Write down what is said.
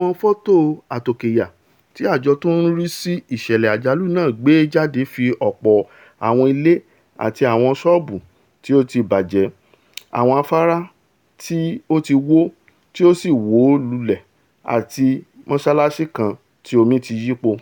Àwọn fọ́tò àtòkèya tí àjọ tó ńrísí ìṣẹ̀lẹ àjálù náà gbéjáde fi ọ̀pọ̀ àwọn ilé àti àwọn sọ́ọ̀bù tí o ti bàjẹ́, àwọn afárá tí ó ti wọ́ tí ó sì wọ́ lulẹ̀ àti mọ́sálásí kan tí omi ti yípo.